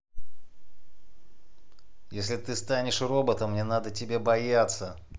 если ты станешь роботом мне надо тебя бояться